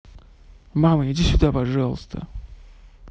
мама иди сюда пожалуйста